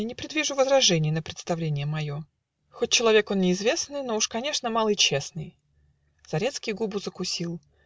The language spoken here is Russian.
Я не предвижу возражений На представление мое: Хоть человек он неизвестный, Но уж конечно малый честный". Зарецкий губу закусил.